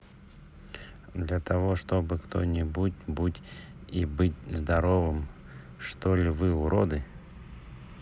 для того чтобы кого нибудь будь и быть здоровым что ли вы уроды